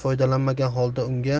foydalangan holda unga